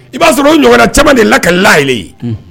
I b'a sɔrɔ o ɲɔgɔnna caman de lakalilaylen ye